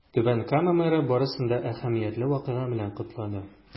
Түбән Кама мэры барысын да әһәмиятле вакыйга белән котлады.